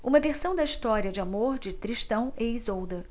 uma versão da história de amor de tristão e isolda